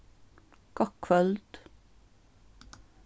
gott kvøld